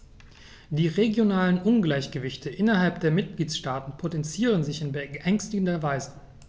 Die regionalen Ungleichgewichte innerhalb der Mitgliedstaaten potenzieren sich in beängstigender Weise.